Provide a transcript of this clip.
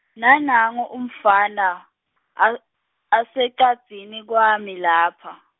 nanangu umfana, a- asecadzini kwami lapha.